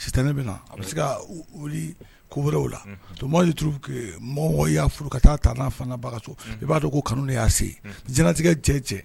Si tɛ bɛna na a bɛ se ka wili koorow la to deuru mɔ y'a furu ka taa taa n'a fangabagaso i b'a dɔn ko kanu de y'a se jinatigɛ cɛ cɛ